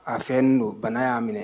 A fɛn don bana y'a minɛ